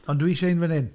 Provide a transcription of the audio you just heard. Ond dwi isie un fan hyn.